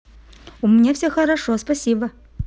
у меня все хорошо спасибо